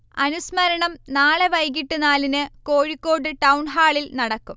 അനുസ്മരണം നാളെ വൈകിട്ട് നാലിന് കോഴിക്കോട് ടൗൺഹാളിൽ നടക്കും